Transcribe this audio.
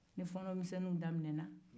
ni fɔɔnɔniw daminɛna